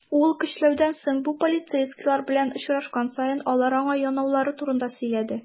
Ул, көчләүдән соң, бу полицейскийлар белән очрашкан саен, алар аңа янаулары турында сөйләде.